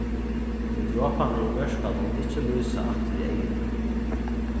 tí droparnir í mjørkanum ikki lýsa aftur í eyguni